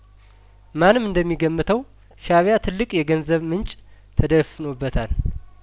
ማንም እንደሚገምተው ሻእቢያ ትልቅ የገንዘብ ምንጭ ተደፍኖበታል